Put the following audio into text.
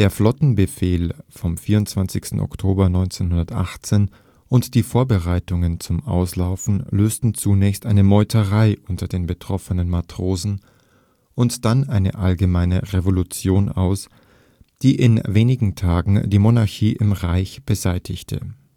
Flottenbefehl vom 24. Oktober 1918 und die Vorbereitungen zum Auslaufen lösten zunächst eine Meuterei unter den betroffenen Matrosen und dann eine allgemeine Revolution aus, die in wenigen Tagen die Monarchie im Reich beseitigte